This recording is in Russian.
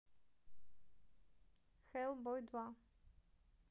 хэлбой два